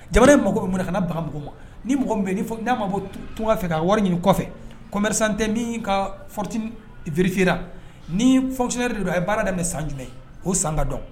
Jamana mako bɛ minɛ bagan ma ni mɔgɔ bɛ n'a ma tunga fɛ ka wari ɲini kɔfɛ kɔnm sante ni ka forotvra ni fɔsi de don a ye baara bɛ san jumɛn ye oo san ka dɔn